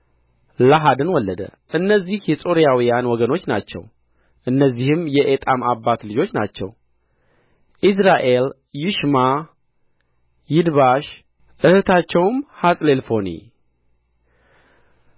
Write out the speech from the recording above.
ላሃድን ወለደ እነዚህ የጾርዓውያን ወገኖች ናቸው እነዚህም የኤጣም አባት ልጆች ናቸው ኢይዝራኤል ይሽማ ይድባሽ እኅታቸውም ሃጽሌልፎኒ